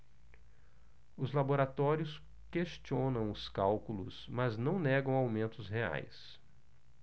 os laboratórios questionam os cálculos mas não negam aumentos reais